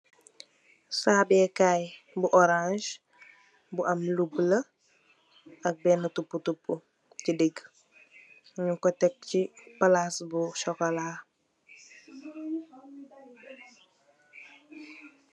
Saabee kaay bu oraans, bu am lu buleuh, ak ben tupu tupu chi dig, ñungko tek chi palaas bu sokolaa.